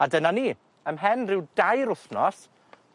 A dyna ni. Ymhen ryw dair wthnos